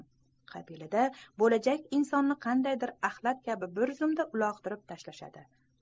qabilida bo'lajak insonni qandaydir axlat kabi bir zumda uloqtirib tashlashadi